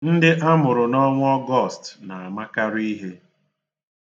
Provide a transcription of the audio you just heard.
Ndị a mụrụ n'ọnwa Ọgọst na-amakarị ihe.